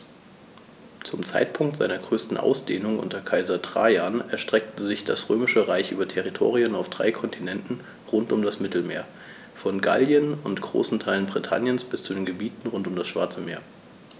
Zum Zeitpunkt seiner größten Ausdehnung unter Kaiser Trajan erstreckte sich das Römische Reich über Territorien auf drei Kontinenten rund um das Mittelmeer: Von Gallien und großen Teilen Britanniens bis zu den Gebieten rund um das Schwarze Meer.